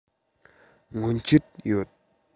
སྔོན ཆད ཡོད